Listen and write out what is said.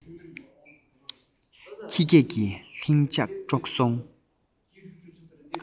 ཁྱི སྐད ཀྱིས ལྷིང འཇགས དཀྲོགས སོང